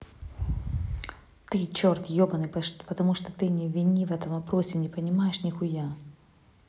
ты черт ебаный потому что ты не вини в этом вопросе не понимаешь нихуя